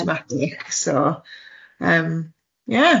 awtomatig so yym ie.